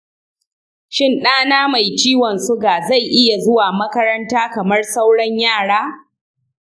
shin ɗana mai ciwon suga zai iya zuwa makaranta kamar sauran yara?